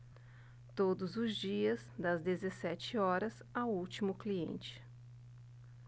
todos os dias das dezessete horas ao último cliente